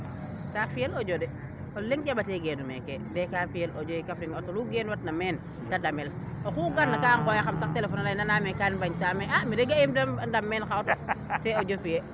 kaa fiyel audio de o leŋ jamba te geenu meeke te ka fiyel audio yee kaffrine auto loo genoox na meen te damel oxu garna kaa ngooya xam sax telephone a leye naname kan mbanj taa me a mi de ga imm meen de ndam meen xa auto te audio fiye